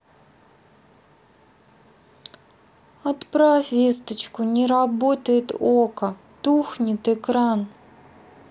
отправь весточку не работает okko тухнет экран